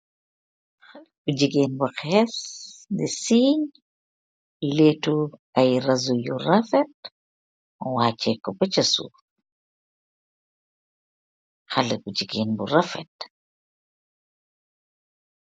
Haleh bu jigeen bu hess, di chingy lehtu ayyi razuu yuu rafet wache ko beh cesoof. haleh bu jigeen bu rafet.